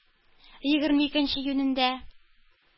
Егерме икенче июнендә